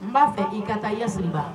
N b'a fɛ i ka taa yaasiriba